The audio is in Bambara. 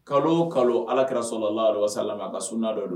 Kalo kalo ala kɛra so la la a ka sun dɔ don